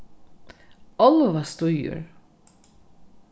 álvastígur